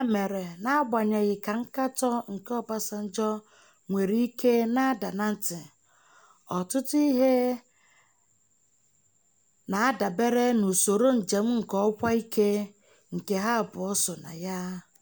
Ya mere, na-agbanyeghị ka nkatọ nke Obasanjo nwere ike na-ada na ntị, ọtụtụ ihe na-adabere n’usoro njem nke ọkwa ike nke ha abụọ so na ya.